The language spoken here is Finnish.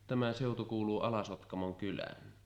tämä seutu kuuluu Ala-Sotkamon kylään